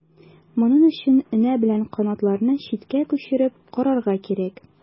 Моның өчен энә белән канатларны читкә күчереп карарга кирәк.